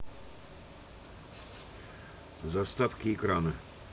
заставки экрана